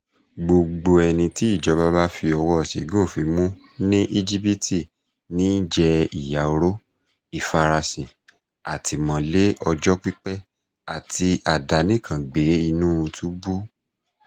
Gbogbo ẹni tí ìjọba bá fi ọwọ́ọ ṣìgún òfin mú ní Íjípìtì ní í jẹ ìyà oró, ìfarasin, àtìmọ́lé ọjọ́ pípẹ́ àti àdánìkangbé inúu túbú.